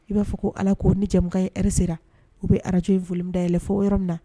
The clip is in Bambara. I b'a fɔ ko Alako ni jɛmukan in heure sera, u bɛ arajo in volume dayɛlɛn fɔ yɔrɔ min na